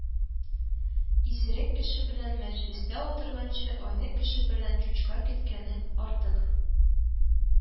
Исерек кеше белән мәҗлестә утырганчы айнык кеше белән чучка көткәнең артык